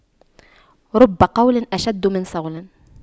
رب قول أشد من صول